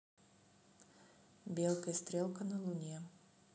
белка и стрелка на луне